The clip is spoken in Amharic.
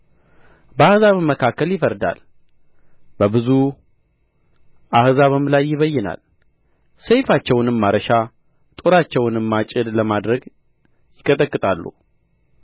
በአሕዛብም መካከል ይፈርዳል በብዙ አሕዛብም ላይ ይበይናል ሰይፋቸውንም ማረሻ ጦራቸውንም ማጭድ ለማድረግ ይቀጠቅጣሉ